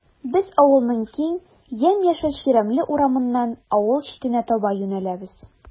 Без авылның киң, ямь-яшел чирәмле урамыннан авыл читенә таба юнәләбез.